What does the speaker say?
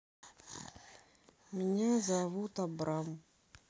меня зовут абрам